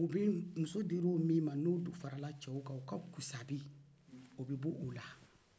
u bɛ muso dir'o min ma n'o farala cɛw kan o ka kusabi o bɛ bɔ o la